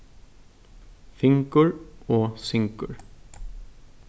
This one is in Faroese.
fingur og syngur